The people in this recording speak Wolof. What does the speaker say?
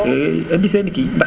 indi seen kii ndax